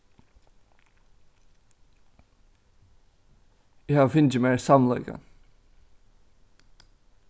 eg havi fingið mær samleikan